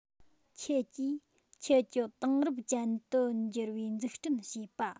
ཁྱེད ཀྱིས ཁྱེད ཀྱི དེང རབས ཅན དུ འགྱུར བའི འཛུགས སྐྲུན བྱེད པ